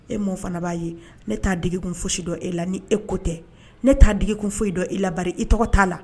E mun fana b'a ye ne' degeigikun foyisi dɔn e la ni e ko tɛ ne' dkun foyi i dɔn i la i tɔgɔ t'a la